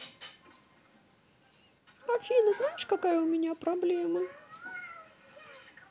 афина знаешь какая у меня проблемы